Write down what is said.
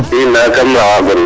i nda kam rawa gonle